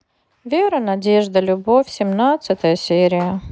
вера надежда любовь семнадцатая серия